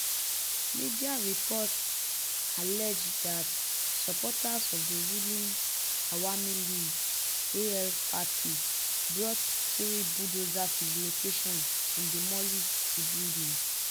Media reports alleged that supporters of the ruling Awami League (AL) party brought three bulldozers to the location and demolished the building.